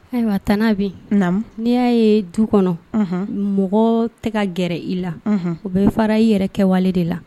Ayiwa Tante Abi, naamu, n'i y'a ye du kɔnɔ mɔgɔ tɛ gɛrɛ i la u bɛ fara i yɛrɛ kɛwale de la.